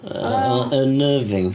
Yym... Wel ...Unnerving.